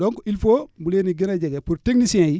donc il faut mu leen di gën a jege pour techniciens yi